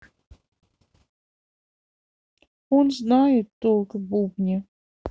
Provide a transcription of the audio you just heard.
он знает толк в бубне